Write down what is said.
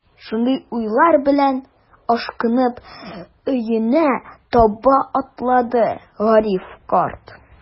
Шундый уйлар белән, ашкынып өенә таба атлады Гариф карт.